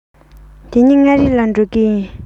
དེ ནས མངའ རིས ལ འགྲོ གི ཡིན